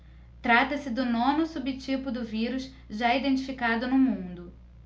trata-se do nono subtipo do vírus já identificado no mundo